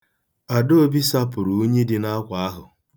Adaobi sapụrụ unyi dị n'akwa ahụ.